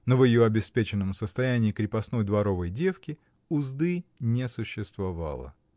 Но в ее обеспеченном состоянии крепостной дворовой девки узды не существовало.